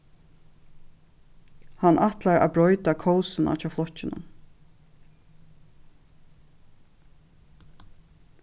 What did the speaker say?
hann ætlar at broyta kósina hjá flokkinum